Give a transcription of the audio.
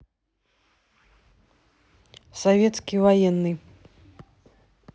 советский военный